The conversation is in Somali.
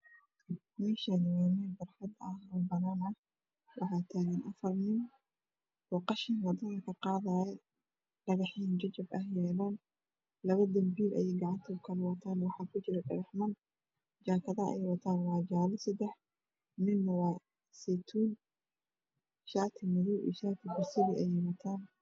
Meeshaani waa meel barxad ah oo banaan ah waxaa taagan afar nin oo qashin wadada ka qaadaayo dhagaxyo jajab ah yaalaan labo danbiil ayey gacanta ku kala wataan waxaa dhagaxaan jaakade ayey wataan waa jaalo sadex midna waa saytuun shaati madow iyo shaati basali ayey wataan